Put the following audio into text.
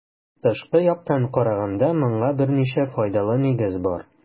Тышкы яктан караганда моңа берничә файдалы нигез бар.